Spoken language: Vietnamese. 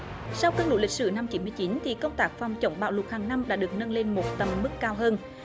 sau cơn lũ lịch sử năm chín mươi chín thì công tác phòng chống bạo lực hàng năm đã được nâng lên một tầm mức cao hơn